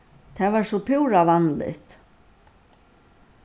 tað var so púra vanligt